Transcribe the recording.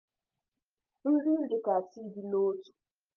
Ndị ndekasi dị n'otu